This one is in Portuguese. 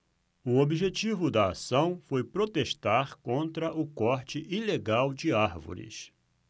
o objetivo da ação foi protestar contra o corte ilegal de árvores